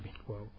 waaw